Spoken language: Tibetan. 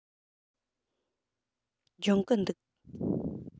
སྦྱོང གི འདུག